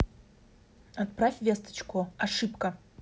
отправь весточку ошибка